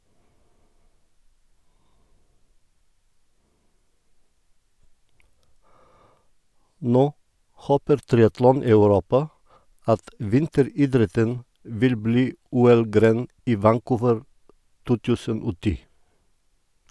Nå håper triatlon-Europa at vinteridretten vil bli OL-gren i Vancouver 2010.